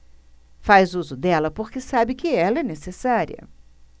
faz uso dela porque sabe que ela é necessária